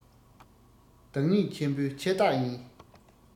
བདག ཉིད ཆེན པོའི ཆེ རྟགས ཡིན